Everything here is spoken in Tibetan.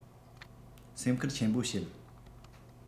སེམས ཁུར ཆེན པོ བྱེད